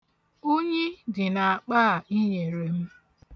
Unyi dị n'akpa a i nyere m.